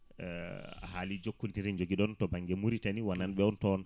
a haali jokkodire joguiɗon to banggue Mauritanie wonanɓe on toon